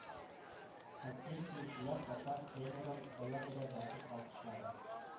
Хоккей сөючеләр татар тренерын аягүрә басып алкышлады